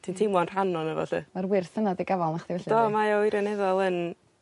Ti'n teimlo'n rhan onno fo 'lly. Ma'r wyrth yna'n digonol nachdi felly? O mae o wirioneddol yn